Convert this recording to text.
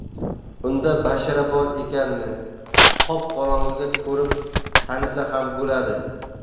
unda bashara bor ekanmi qop qorong'ida ko'rib tanisa ham bo'ladi